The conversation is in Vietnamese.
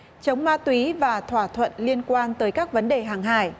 chống ma túy và thỏa thuận liên quan tới các vấn đề hàng hải